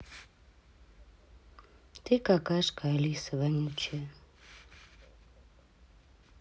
ты какашка алиса вонючая